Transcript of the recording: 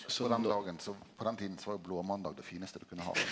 så den dagen så på den tiden så var jo blåmåndag det finaste du kunne ha.